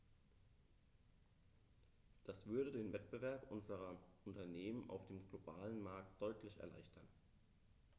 Das würde den Wettbewerb unserer Unternehmen auf dem globalen Markt deutlich erleichtern.